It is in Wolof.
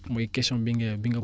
mooy question bi nga bi nga